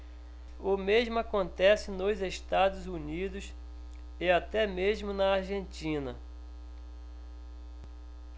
o mesmo acontece nos estados unidos e até mesmo na argentina